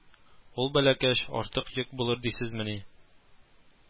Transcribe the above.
Ул бәләкәч артык йөк булып дисезмени